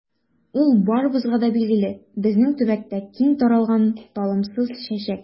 Ул барыбызга да билгеле, безнең төбәктә киң таралган талымсыз чәчәк.